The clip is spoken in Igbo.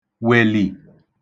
wèlì